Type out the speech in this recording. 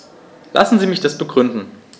Lassen Sie mich das begründen.